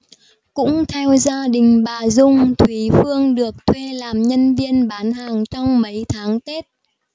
cũng theo gia đình bà dung thúy phương được thuê làm nhân viên bán hàng trong mấy tháng tết